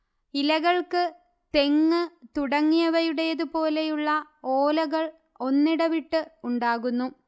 ഇലകൾക്ക് തെങ്ങ് തുടങ്ങിയവയുടേതുപോലെയുള്ള ഓലകൾ ഒന്നിടവിട്ട് ഉണ്ടാകുന്നു